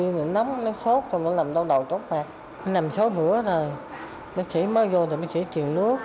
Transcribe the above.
nó sốt xong nó làm đau đầu chóng mặt nằm số nữa rồi bác sĩ mới vô rồi bác sĩ truyền nước